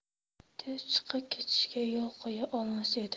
deb chiqib ketishiga yo'l qo'ya olmas edi